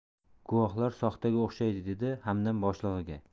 guvohlar soxtaga o'xshaydi dedi hamdam boshlig'iga